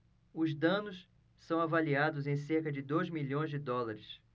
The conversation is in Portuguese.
os danos são avaliados em cerca de dois milhões de dólares